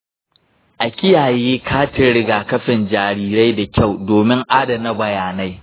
a kiyaye katin rigakafin jarirai da kyau domin adana bayanai.